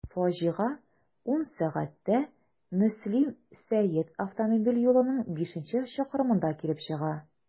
Фаҗига 10.00 сәгатьтә Мөслим–Сәет автомобиль юлының бишенче чакрымында килеп чыга.